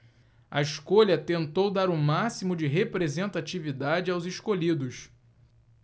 a escolha tentou dar o máximo de representatividade aos escolhidos